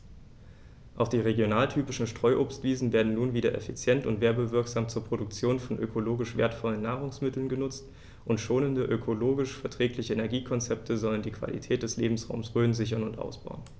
Auch die regionaltypischen Streuobstwiesen werden nun wieder effizient und werbewirksam zur Produktion von ökologisch wertvollen Nahrungsmitteln genutzt, und schonende, ökologisch verträgliche Energiekonzepte sollen die Qualität des Lebensraumes Rhön sichern und ausbauen.